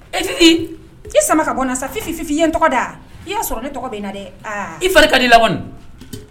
E i sama ka gna sa fi i n tɔgɔ da i y'a sɔrɔ ne tɔgɔ bɛ na dɛ i fa ka di la